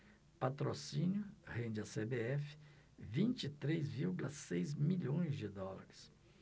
patrocínio rende à cbf vinte e três vírgula seis milhões de dólares